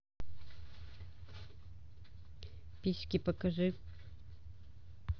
письки покажи